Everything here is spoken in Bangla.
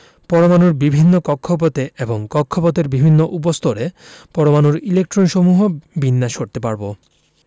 পরমাণুর বিভিন্ন কক্ষপথে এবং কক্ষপথের বিভিন্ন উপস্তরে পরমাণুর ইলেকট্রনসমূহকে বিন্যাস করতে পারব